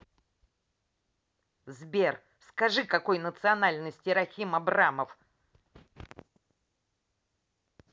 сбер скажи какой национальности рахим абрамов